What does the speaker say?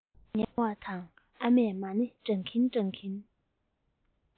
ཉལ བ དང ཨ མས མ ཎི བགྲང གིན བགྲང གིན